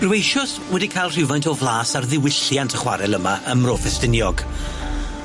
Rwy eisios wedi ca'l rhywfaint o flas ar ddiwylliant y chwarel yma ym Mro Ffestiniog